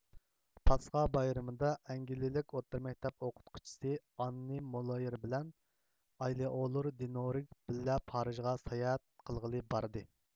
پاسخا بايرىمىدا ئەنگلىيىلىك ئوتتۇرا مەكتەپ ئوقۇتقۇچىسى ئاننى مولېيېر بىلەن ئايلېئولور دېنوئورگ بىللە پارىژغا ساياھەت قىلغىلى باردى